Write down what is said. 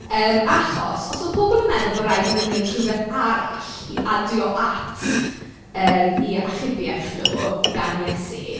Yym achos os oedd pobl yn meddwl bod raid iddyn nhw wneud rhywbeth arall i adio at yym eu achubiaeth nhw gan Iesu.